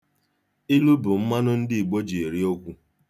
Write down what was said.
Ilu bụ mmanụ ndị Igbo ji eri okwu.